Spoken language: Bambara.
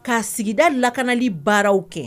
K'a sigida lakanali baaraw kɛ